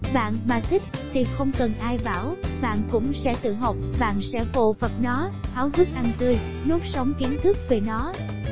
bạn mà thích thì không cần ai bảo bạn cũng sẽ tự học bạn sẽ vồ vập nó háo hức ăn tươi nuốt sống kiến thức về nó